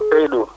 Seydou